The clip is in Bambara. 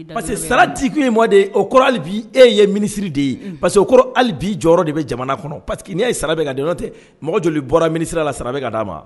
Parce que sarati kun mɔ de ye obi e ye minisiri de ye pa que obi jɔyɔrɔ de bɛ jamana kɔnɔ pari que n' ye sara ka dɔntɛ mɔgɔ joli bɔra minisiri la sara ka d'a ma